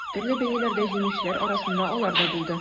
Төрле бәйгеләрдә җиңүчеләр арасында алар да булды.